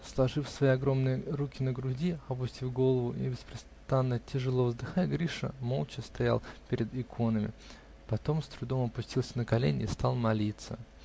Сложив свои огромные руки на груди, опустив голову и беспрестанно тяжело вздыхая, Гриша молча стоял перед иконами, потом с трудом опустился на колени и стал молиться.